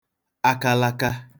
akalala